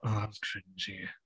Oh that was cringey.